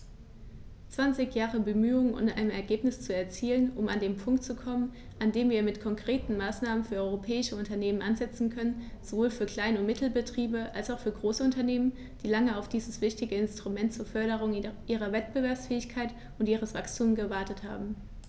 Zwanzig Jahre Bemühungen, um ein Ergebnis zu erzielen, um an den Punkt zu kommen, an dem wir mit konkreten Maßnahmen für europäische Unternehmen ansetzen können, sowohl für Klein- und Mittelbetriebe als auch für große Unternehmen, die lange auf dieses wichtige Instrument zur Förderung ihrer Wettbewerbsfähigkeit und ihres Wachstums gewartet haben.